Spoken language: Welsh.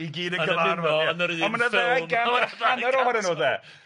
i gyd yn cyfarfo yr un ffilm. ...ohonyn nw de?